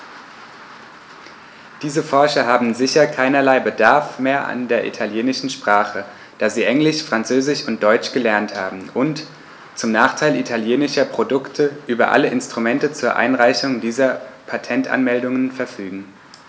Diese Forscher haben sicher keinerlei Bedarf mehr an der italienischen Sprache, da sie Englisch, Französisch und Deutsch gelernt haben und, zum Nachteil italienischer Produkte, über alle Instrumente zur Einreichung dieser Patentanmeldungen verfügen.